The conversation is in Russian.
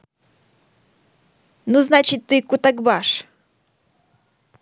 ну значит ты кутакбаш